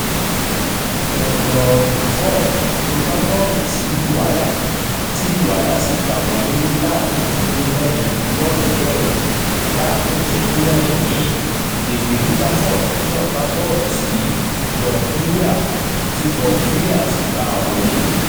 Kendall McFaull ló gbá bọ́ọ̀lù sí Dwyer, tí Dwyer sì gba wọle láàrin ìṣẹ́jú mẹ́rin tí bọ́ọ̀lù bẹ̀rẹ̀. Láàrin ìṣẹ́jú mẹ́rin mìíì, David Rutherford náà gbá bọ́ọ̀lù sí Beauvillier, tí Beauvillier sì gba wọlé.